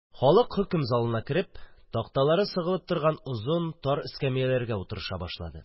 Халык, хөкем залына кереп, такталары сыгылып торган озын тар эскәмияләргә утырыша башлады.